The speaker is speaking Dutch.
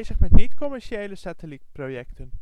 niet-commerciële satellietprojecten